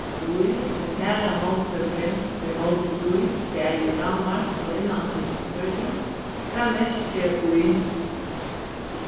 stríð og harða móttøku ímóti bæði úr danmark og innanhýsis í føroyum varð merkið í